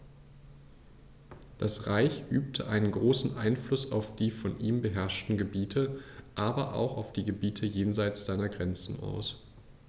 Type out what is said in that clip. Das Reich übte einen großen Einfluss auf die von ihm beherrschten Gebiete, aber auch auf die Gebiete jenseits seiner Grenzen aus.